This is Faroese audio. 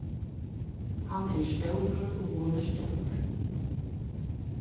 hann er stórur og hon er stór